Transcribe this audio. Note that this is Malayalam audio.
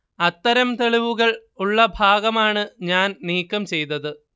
അത്തരം തെളിവുകൾ ഉള്ള ഭാഗമാണ് ഞാൻ നീക്കം ചെയ്തത്